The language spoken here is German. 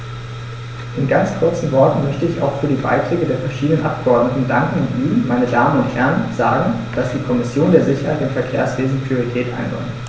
In ganz kurzen Worten möchte ich auch für die Beiträge der verschiedenen Abgeordneten danken und Ihnen, meine Damen und Herren, sagen, dass die Kommission der Sicherheit im Verkehrswesen Priorität einräumt.